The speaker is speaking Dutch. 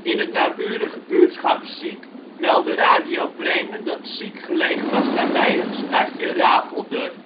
in de naburige buurtschap Ziek meldde Radio Bremen dat Ziek gelegen was nabij het stadje Rafelder